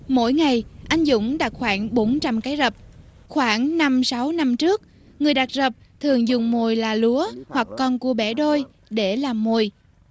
mỗi ngày anh dũng đã khoảng bốn trăm cái rập khoảng năm sáu năm trước người đặt rập thường dùng mồi là lúa hoặc con cua bẻ đôi để làm mồi